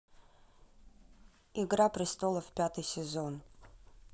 игра престолов пятый сезон